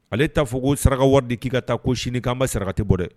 Ale'a fɔ ko saraka wari de k'i ka taa ko sini ko anba saraka tɛ bɔ dɛ